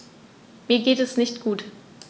Mir geht es nicht gut.